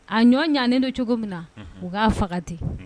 A ɲɔ ɲnen don cogo min na u k'a faga ten